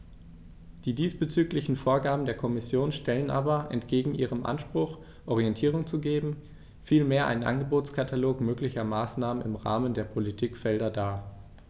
Die diesbezüglichen Vorgaben der Kommission stellen aber entgegen ihrem Anspruch, Orientierung zu geben, vielmehr einen Angebotskatalog möglicher Maßnahmen im Rahmen der Politikfelder dar.